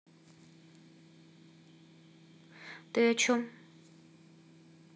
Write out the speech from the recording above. ты о чем